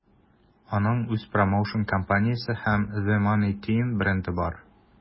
Аның үз промоушн-компаниясе һәм The Money Team бренды бар.